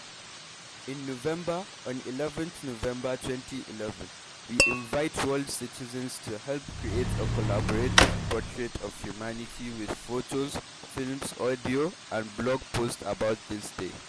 In November, on 11/11/11 we invite world citizens to help create a collaborative portrait of humanity with: photos, films, audio, and blog posts about this day.